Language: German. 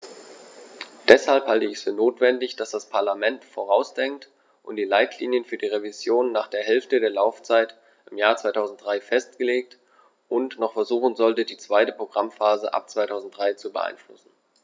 Deshalb halte ich es für notwendig, dass das Parlament vorausdenkt und die Leitlinien für die Revision nach der Hälfte der Laufzeit im Jahr 2003 festlegt und noch versuchen sollte, die zweite Programmphase ab 2003 zu beeinflussen.